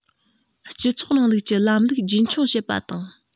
སྤྱི ཚོགས རིང ལུགས ཀྱི ལམ ལུགས རྒྱུན འཁྱོངས བྱེད པ དང